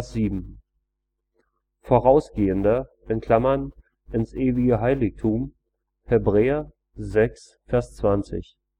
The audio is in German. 10,7) Vorausgehender (ins ewige Heiligtum: Hebr 6,20) Wahrheit